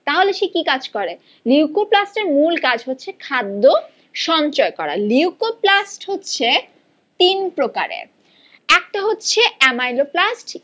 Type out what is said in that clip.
তাহলে সে কি কাজ করে লিউকোপ্লাস্ট এর মূল কাজ হচ্ছে খাদ্য সঞ্চয় করা লিউকোপ্লাস্ট হচ্ছে তিন প্রকারের একটা হচ্ছে এমাইলোপ্লাস্ট